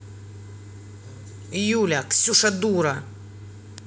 юля ксюша дура